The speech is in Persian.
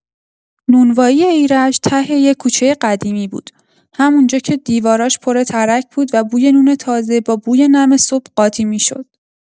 نونوایی ایرج ته یه کوچه قدیمی بود، همون‌جا که دیواراش پر ترک بود و بوی نون تازه با بوی نم صبح قاطی می‌شد.